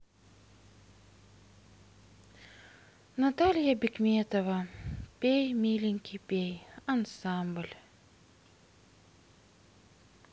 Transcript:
наталья бикметова пей миленький пей ансамбль